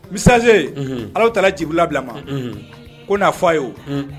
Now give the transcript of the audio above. Miessager, allah taala ye Jibirila ma ko n'a fɔ a ye o, unhun,